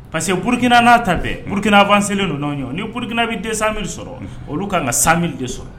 Parce que Burukina na ta bɛɛ, Burukina avancé len don ni anw . Ni Burukina bi 40000 sɔrɔ olu kan ka 20000 de sɔrɔ.